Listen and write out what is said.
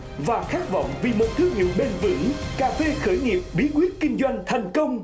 và khát vọng vì một thương hiệu bền vững cà phê khởi nghiệp bí quyết kinh doanh thành công